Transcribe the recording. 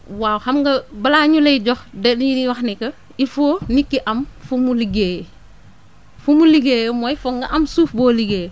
waawxam nga balaa ñu lay jox da li ñuy wax ne que il faut nit ki am fu mu liggéeyee fu mu liggéeyee mooy foog nga am suuf boo liggéeyee